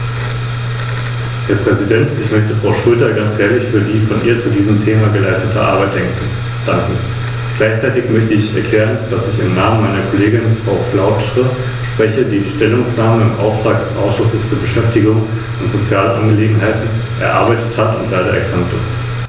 Diese Richtlinie ist ein Beitrag dazu.